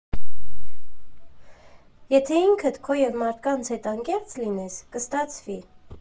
Եթե ինքդ քո և մարդկանց հետ անկեղծ լինես, կստացվի։